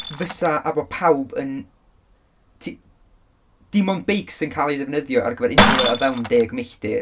fysa... a bod pawb yn, t- dim ond beic sy'n cael ei ddefnyddio ar gyfer unrhyw le o fewn deg milltir.